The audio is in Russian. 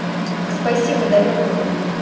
спасибо далекой мой